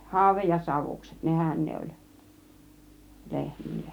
haude ja savukset nehän ne oli lehmille